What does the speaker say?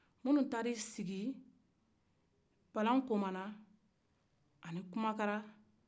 munu taar'u sigi balan komanan ani kumakra